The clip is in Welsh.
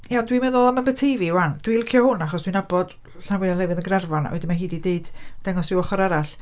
Ia, ond, dwi'n meddwl am Aberteifi wan. Dwi'n licio hwn achos dwi'n nabod rhan fwyaf o lefydd yn Gaernarfon a wedyn mae hi 'di dweud... dangos rhyw ochr arall.